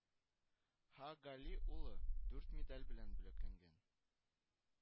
Ха гали улы дүрт медаль белән бүләкләнгән